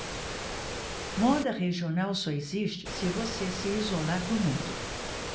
moda regional só existe se você se isolar do mundo